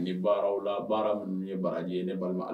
Nin baaraw la baara minnu ye baaraji ye ne balima al